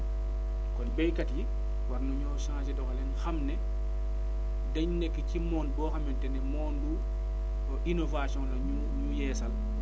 kon béykat yi war nañoo changer doxalin xam ne dañ nekk ci monde boo xamante ne monde innovation la ñu ñu yeesal